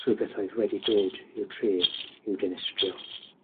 rhwbeth oedd wedi dod i'w tref i'w dinistrio.